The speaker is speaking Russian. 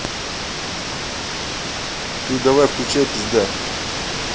ты давай включай пизда